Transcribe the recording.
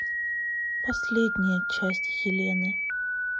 последняя часть елены